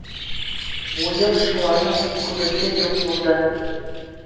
Бу ел шуларның бик күбесе юк булды